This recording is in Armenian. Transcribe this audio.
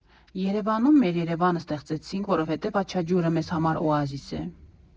Երևանում մեր Երևանը ստեղծեցինք, որովհետև «Աչաջուրը» մեզ համար օազիս է։